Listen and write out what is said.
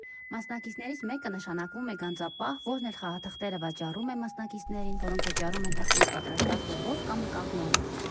Մասնակիցներից մեկը նշանակվում է գանձապահ, որն էլ խաղաթղթերը «վաճառում» է մասնակիցներին, որոնք վճարում են թղթից պատրաստված լոբով կամ կաղնով։